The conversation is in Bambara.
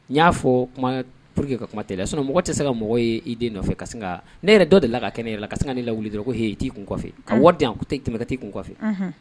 N y'a fɔ kuma p que ka kuma t so mɔgɔ tɛ se ka mɔgɔ ye i den nɔfɛ ka ne yɛrɛ dɔ de la ka kɛnɛ la ka ka ne lawu dɔrɔn ko h t' kun kɔfɛ ka di tɛmɛ ka t'i kun kɔfɛ